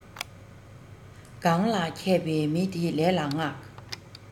གང ལ མཁས པའི མི དེ ལས ལ མངགས